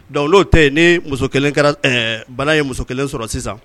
Dɔnku tɛ yen ni muso kelen kɛra bana ye muso kelen sɔrɔ sisan